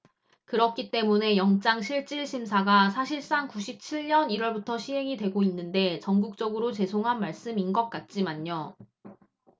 그렇기 때문에 영장실질심사가 사실상 구십 칠 년 일 월부터 시행이 되고 있는데 전국적으로 죄송한 말씀인 것 같지만요